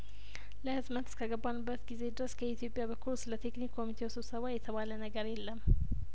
ለህትመት እስከገባንበት ጊዜ ድረስ ከኢትዮጵያ በኩል ስለቴክኒክ ኮሚቴው ስብሰባ የተባለ ነገር የለም